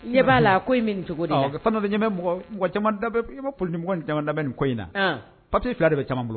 I ɲɛ b'a la ko in bɛ nin cogo in na politique mɔgɔɔ cama da bɛ nin ko in na papier 2 de bɛ caman bolo.